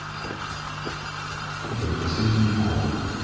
джой спроси у землекопа